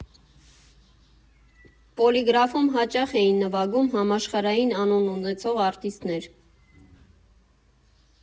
Պոլիգրաֆում հաճախ էին նվագում համաշխարհային անուն ունեցող արտիստներ։